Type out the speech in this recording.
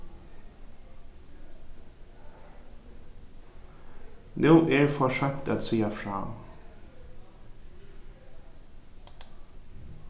nú er for seint at siga frá